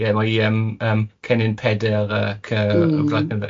...ie mae i yym yym Cennin Pedr ac yy... M-hm.